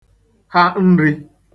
ha nrī